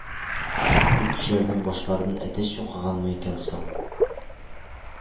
Бу кешеләрнең башларын әтәч чукыганмы икән соң